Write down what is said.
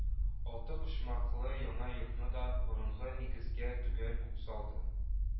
Алты почмаклы яңа йортны да борынгы нигезгә төгәл үк салды